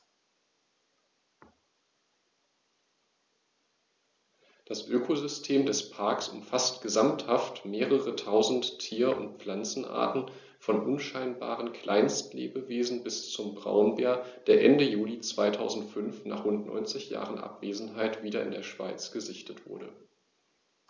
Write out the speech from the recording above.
Das Ökosystem des Parks umfasst gesamthaft mehrere tausend Tier- und Pflanzenarten, von unscheinbaren Kleinstlebewesen bis zum Braunbär, der Ende Juli 2005, nach rund 90 Jahren Abwesenheit, wieder in der Schweiz gesichtet wurde.